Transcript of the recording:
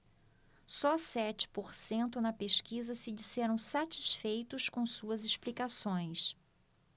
só sete por cento na pesquisa se disseram satisfeitos com suas explicações